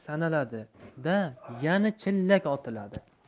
sanaladi da yana chillak otiladi